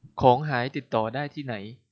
ของหายติดต่อได้ที่ไหน